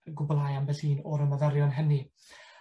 gwbwlhau ambell un o'r ymaferion hynny.